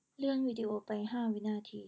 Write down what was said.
เลื่อนวีดีโอไปห้าวินาที